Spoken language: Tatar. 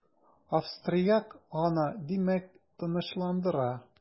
Австрияк аны димәк, тынычландыра.